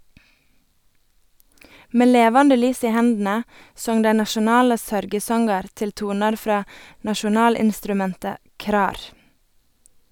Med levande lys i hendene song dei nasjonale sørgesongar til tonar frå nasjonalinstrumentet krar.